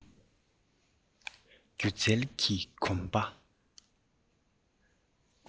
སྒྱུ རྩལ གྱི གོམ པ